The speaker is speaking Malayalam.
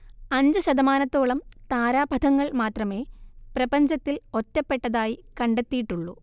അഞ്ച് ശതമാനത്തോളം താരാപഥങ്ങൾ മാത്രമേ പ്രപഞ്ചത്തിൽ ഒറ്റപ്പെട്ടതായി കണ്ടെത്തിയിട്ടുള്ളൂ